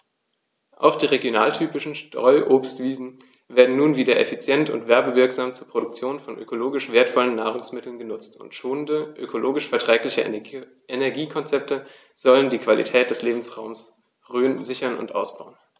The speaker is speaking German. Auch die regionaltypischen Streuobstwiesen werden nun wieder effizient und werbewirksam zur Produktion von ökologisch wertvollen Nahrungsmitteln genutzt, und schonende, ökologisch verträgliche Energiekonzepte sollen die Qualität des Lebensraumes Rhön sichern und ausbauen.